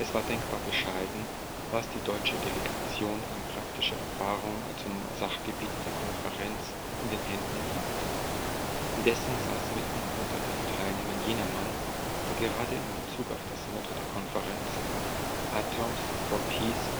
war denkbar bescheiden, was die deutsche Delegation an praktischer Erfahrung zum Sachgebiet der Konferenz in den Händen hielt. Indessen saß mitten unter den Teilnehmern jener Mann, der gerade in bezug auf das Motto der Konferenz – Atoms for Peace